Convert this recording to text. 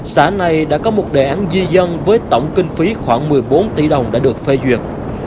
xã này đã có một đề án di dân với tổng kinh phí khoảng mười bốn tỷ đồng đã được phê duyệt